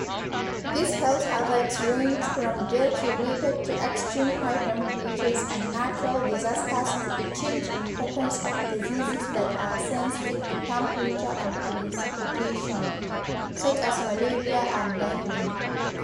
These health hazards range from deaths related to extreme high temperatures and natural disasters to a change in patterns of diseases that are sensitive to temperature and precipitation, such as malaria and dengue.